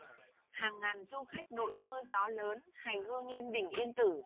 hàng ngàn du khách đội mưa gió lớn hành hương lên đỉnh yên tử